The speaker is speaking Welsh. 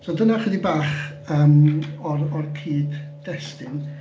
So dyna chydig bach yym o'r o'r cyd-destun.